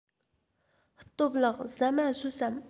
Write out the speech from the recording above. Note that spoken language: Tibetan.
སྟོབས ལགས ཟ མ ཟོས སམ